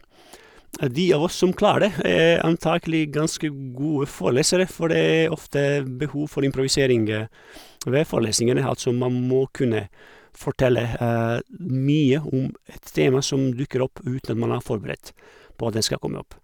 De av oss som klarer det, er antakelig ganske gode forelesere, for det er ofte behov for improvisering ved forelesningene, altså, man må kunne fortelle mye om et tema som dukker opp uten at man har forberedt på at den skal komme opp.